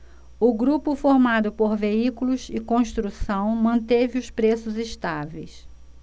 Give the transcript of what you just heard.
o grupo formado por veículos e construção manteve os preços estáveis